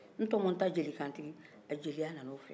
n tɔmɔ n ta jeli kan tigui a jeliya na coko filɛ